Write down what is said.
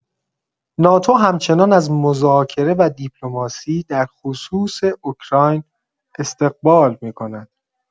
ناتو همچنان از مذاکره و دیپلماسی در خصوص اوکراین استقبال می‌کند.